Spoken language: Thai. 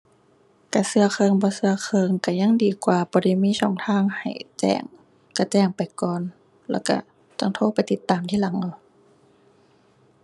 ก็ก็ก็บ่ก็ก็ ก็ยังดีกว่าบ่ได้มีช่องทางให้แจ้ง ก็แจ้งไปก่อนแล้วก็จั่งโทรไปติดตามทีหลังเอา